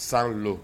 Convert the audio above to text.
Sanlo